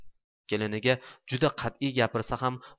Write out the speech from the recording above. keliniga juda qat'iy gapirsa ham